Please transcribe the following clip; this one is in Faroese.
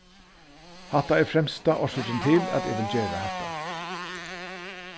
hatta er fremsta orsøkin til at eg vil gera hatta